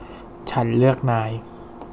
ฉันเลือกนาย